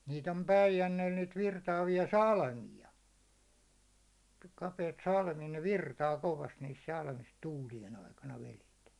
niitä on Päijänteellä niitä virtaavia salmia kapeita salmia ne virtaa kovasti niissä salmissa tuulien aikana vedet